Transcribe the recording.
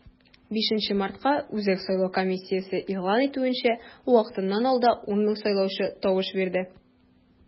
5 мартка, үзәк сайлау комиссиясе игълан итүенчә, вакытыннан алда 10 мең сайлаучы тавыш бирде.